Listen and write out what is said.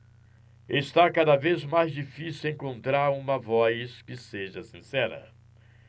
está cada vez mais difícil encontrar uma voz que seja sincera